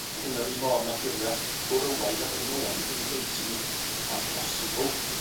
ag yn yr un modd ma' ffurfia' gwrywaidd a benywaidd yn gwneud hi'n amhosibl